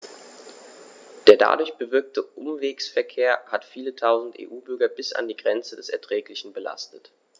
Der dadurch bewirkte Umwegsverkehr hat viele Tausend EU-Bürger bis an die Grenze des Erträglichen belastet.